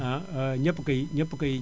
ñëpp a koy ñëpp a koy